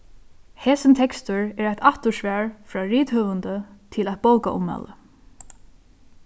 hesin tekstur er eitt aftursvar frá rithøvundi til eitt bókaummæli